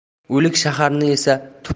o'lik shaharni esa tuproq